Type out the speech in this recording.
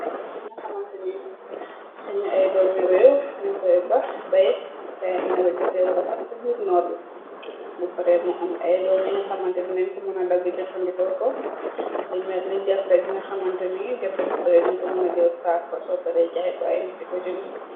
Deex yi nga xamante ni siñu ay doomi réew ño koy bax bay bu taayim minawet jotee wala sax ci biir noor bi, bu pare mu am ay doomi yi nga xamante dinenko mëna dagg jëfangikoo ko, li melni garte, yinga xamante ni garte bu tooy dinko muna jël saaf ko soo paree jaay ko ay nit di ko jënd.